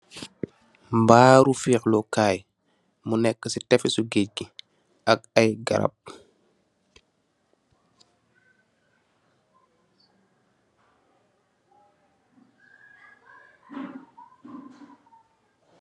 Baaru fexlu kai bu neka si tafessu gaage bi ak ay garab.